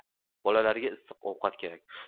bolalarga issiq ovqat kerak